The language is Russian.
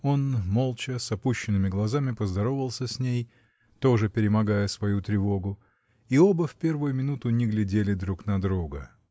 Он молча, с опущенными глазами, поздоровался с ней, тоже перемогая свою тревогу, — и оба в первую минуту не глядели друг на друга.